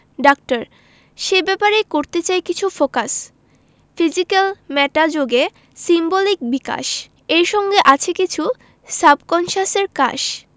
doctor সে ব্যাপারেই করতে চাই কিছুটা ফোকাস ফিজিক্যাল মেটা যোগে সিম্বলিক বিকাশ এর সঙ্গে আছে কিছু সাবকন্সাসের কাশ